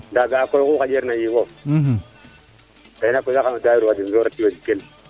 nda ga'a koy oxu xaƴeer na yiifof gay naak we xano daair feden so ret weg kel